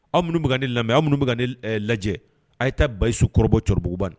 Aw minnu bɛkan ne lamɛn aw minnu bɛ ne lajɛ a' ye ta bayisu kɔrɔbɔ cɛkɔrɔbabuguban